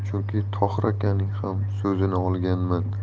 chunki tohir akaning ham so'zini olganman